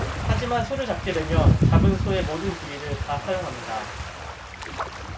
하지만 소를 잡게 되면 잡은 소의 모든 부위를 다 사용합니다